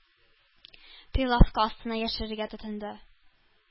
Прилавка астына яшерергә тотынды.